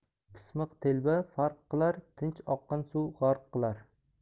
pismiq telba farq qilar tinch oqqan suv g'arq qilar